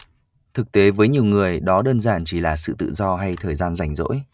thực tế với nhiều người đó đơn giản chỉ là sự tự do hay thời gian rảnh rỗi